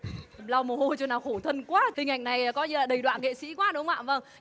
lau mồ hôi cho nào khổ thân quá hình ảnh này coi như là đày đọa nghệ sĩ quá đúng không ạ vâng